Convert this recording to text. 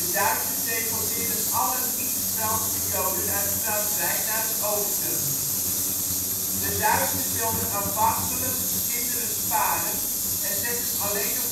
Duitsers deporteerden alle niet-Franse Joden uit Frankrijk naar het oosten. De Duitsers wilden aanvankelijk de kinderen sparen en zetten alleen de